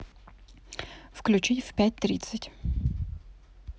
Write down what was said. включить в пять тридцать